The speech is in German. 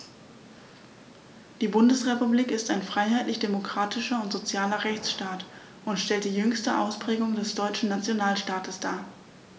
Die Bundesrepublik ist ein freiheitlich-demokratischer und sozialer Rechtsstaat und stellt die jüngste Ausprägung des deutschen Nationalstaates dar.